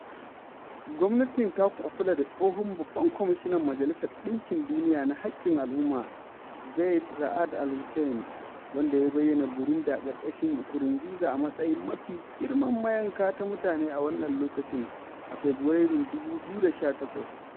Gwamnatin ta kufula da tsohon babban kwamishinan Majalisar ɗinkin Duniya na haƙƙin al'umma, Zeid Ra'ad Al Hussein, wanda ya bayyana Burundi a ƙarƙashin Nkurunziza a matsayin "mafi girman mayanka ta mutane a wannan lokacin" a Fabarairun 2018.